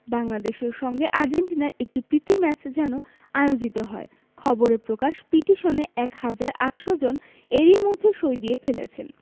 বাংলাদেশের সঙ্গে আর্জেন্টিনার একটি প্রীতি ম্যাচ যেন আয়োজিত হয় খবরে প্রকাশ পিটিশনে ১ হাজার ৮০০ জন এরই মধ্যে সই দিয়ে ফেলেছেন